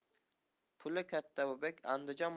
puli katta bu bek andijon